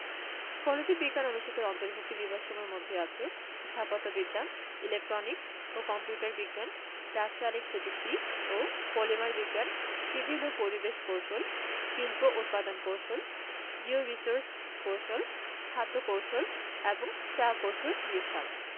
ফলিত বিজ্ঞান অনুষদের অন্তর্ভুক্ত বিভাগসমূহের মধ্যে আছে স্থাপত্যবিদ্যা ইলেকট্রনিক্স ও কম্পিউটার বিজ্ঞান রাসায়নিক প্রযুক্তি ও পলিমার বিজ্ঞান সিভিল ও পরিবেশ কৌশল শিল্প ও উৎপাদন কৌশল জিওরির্সোস কৌশল খাদ্য কৌশল এবং চা কৌশল বিভাগ